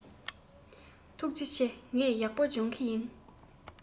ཐུགས རྗེ ཆེ ངས ཡག པོ སྦྱོང གི ཡིན